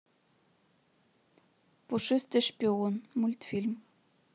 пушистый шпион мультфильм